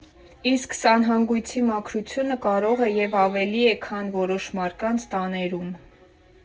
Իսկ սանհանգույցի մաքրությունը կարող է և ավելի է քան որոշ մարդկանց տաներում։